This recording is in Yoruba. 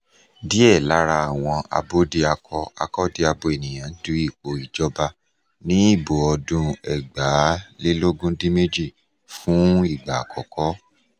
Díẹ̀ lára àwọn abódiakọ-akọ́diabo ènìyàn du ipò ìjọba nínú Ìbò ọdún 2018 fún ìgbà àkọ́kọ́.